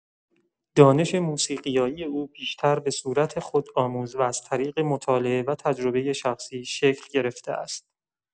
دانش موسیقایی او بیشتر به صورت خودآموز و از طریق مطالعه و تجربه شخصی شکل گرفته است.